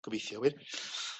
Gobeithio wir.